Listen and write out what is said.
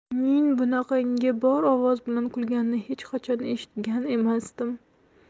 uning bunaqangi bor ovoz bilan kulganini hech qachon eshitgan emasdim